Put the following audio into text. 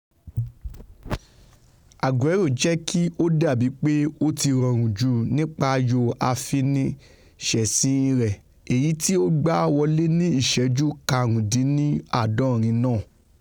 Aguero jẹ́kí ó dàbí pé ó ti rọrùn ju nípa ayò afiniṣẹ̀ṣín rẹ̀ èyití ó gbá wọlé ni ìṣẹ́jú karùndínláàdọ́rin náà.